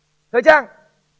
thời trang